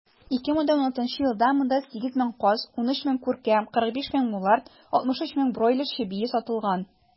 2016 елда монда 8 мең каз, 13 мең күркә, 45 мең мулард, 63 мең бройлер чебие сатылган.